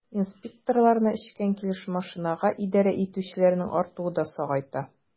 Инспекторларны эчкән килеш машинага идарә итүчеләрнең артуы да сагайта.